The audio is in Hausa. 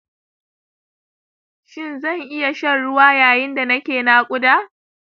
shin zan iya shan ruwa yayin da nake naƙuda